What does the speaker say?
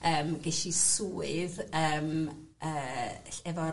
yym gesh i swydd yym yy ll- efo'r